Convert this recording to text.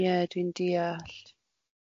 Ie dwi'n diallt.